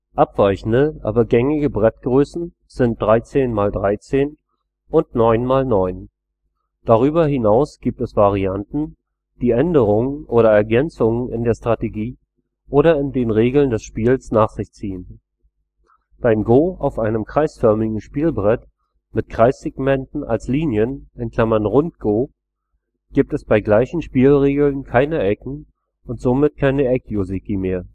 Abweichende, aber gängige Brettgrößen sind 13 × 13 und 9 × 9. Darüber hinaus gibt es Varianten, die Änderungen oder Ergänzungen in der Strategie oder in den Regeln des Spiels nach sich ziehen. Beim Go auf einem kreisförmigen Spielbrett mit Kreissegmenten als Linien (Rund-Go) gibt es bei gleichen Spielregeln keine Ecken und somit keine Eck-Jōseki mehr